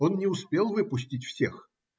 Он не успел выпустить всех.